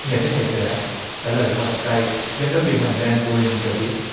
nhờ thế hệ trẻ trả lời qua sờ kai giám đốc điều hành ben gu rưn cho biết